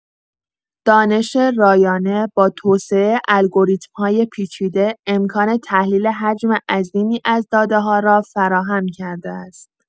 دانش رایانه، با توسعه الگوریتم‌های پیچیده، امکان تحلیل حجم عظیمی از داده‌ها را فراهم کرده است.